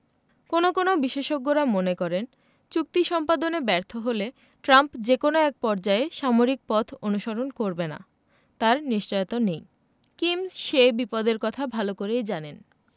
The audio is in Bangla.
কোনো কোনো বিশেষজ্ঞেরা মনে করেন চুক্তি সম্পাদনে ব্যর্থ হলে ট্রাম্প যে কোনো একপর্যায়ে সামরিক পথ অনুসরণ করবে না তার নিশ্চয়তা নেই কিম সে বিপদের কথা ভালো করেই জানেন